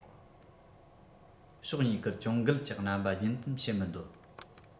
ཕྱོགས གཉིས ཀར གྱོང འགུལ གྱི རྣམ པ རྒྱུན མཐུད བྱེད མི འདོད